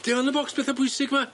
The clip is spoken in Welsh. Ydi o yn y bocs petha bwysig ma?